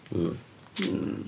Hmm... Mm.